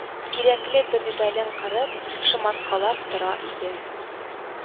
Кирәкле бер детален кырып, шомарткалап тора иде